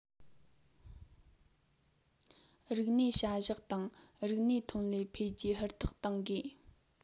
རིག གནས བྱ གཞག དང རིག གནས ཐོན ལས འཕེལ རྒྱས ཧུར ཐག གཏོང དགོས